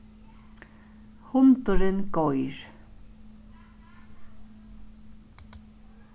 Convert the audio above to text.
hundurin goyr